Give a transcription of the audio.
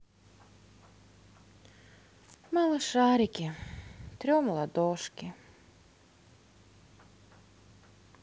малышарики трем ладошки